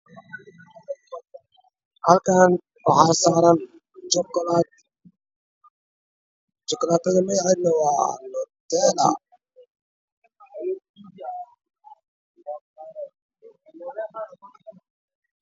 Halkaan waxa saaran jukuleed kululeed magaceedu waa denaa